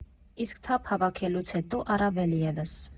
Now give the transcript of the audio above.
Իսկ թափ հավաքելուց հետո՝ առավել ևս։